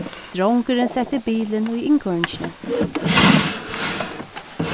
drongurin setti bilin í innkoyringini